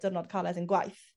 di'rnod caled yn gwaith.